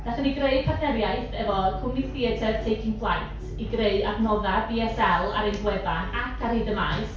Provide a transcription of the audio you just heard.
Wnaethon ni greu partneriaeth efo'r cwmni theatr Taking Flight i greu adnoddau BSL ar ein gwefan ac ar hyd y Maes.